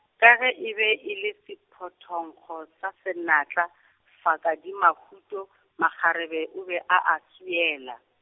ka ge e be e le sephothonkgo sa senatla, fakadimahuto, makgarebe o be a a swiela.